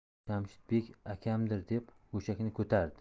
jamshid bek akamdir deb go'shakni ko'tardi